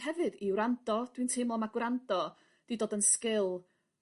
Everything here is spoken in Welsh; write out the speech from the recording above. hefyd i wrando dwi'n teimlo ma' gwrando 'di dod yn sgil